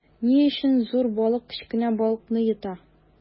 Ни өчен зур балык кечкенә балыкны йота?